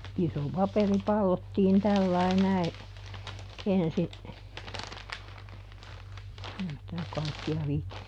se iso paperi pallottiin tällä lailla näin ensi ei sitä kaikkea viitsi